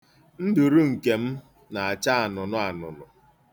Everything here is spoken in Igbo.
Nduru nke m na-acha anụnụ anụnụ.